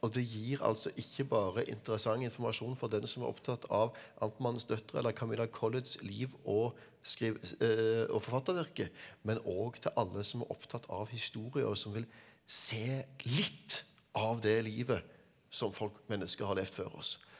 og det gir altså ikke bare interessant informasjon for den som er opptatt av Amtmannens Døtre eller Camilla Colletts liv og og forfattervirke, men óg til alle som er opptatt av historien og vil se litt av det livet som folk mennesker har levd før oss.